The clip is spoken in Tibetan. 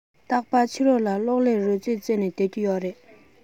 རྟག པར ཕྱི ལོག ལ གློག ཀླད རོལ རྩེད རྩེད ནས སྡོད ཀྱི ཡོད རེད